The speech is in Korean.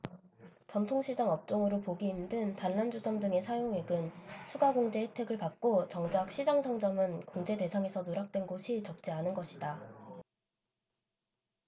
전통시장 업종으로 보기 힘든 단란주점 등의 사용액은 추가 공제 혜택을 받고 정작 시장 상점은 공제 대상에서 누락된 곳이 적지 않은 것이다